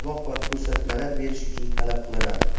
va ko'rsatmalar berish uchun talab qilinadi